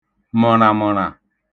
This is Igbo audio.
mə̣ṙamə̣ṙa